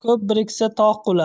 ko'p biriksa tog' qular